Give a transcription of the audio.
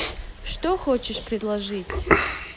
что хочешь предложить